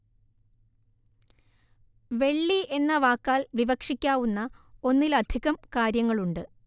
വെള്ളി എന്ന വാക്കാൽ വിവക്ഷിക്കാവുന്ന ഒന്നിലധികം കാര്യങ്ങളുണ്ട്